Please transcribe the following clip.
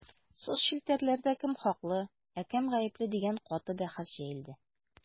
Соцчелтәрләрдә кем хаклы, ә кем гапле дигән каты бәхәс җәелде.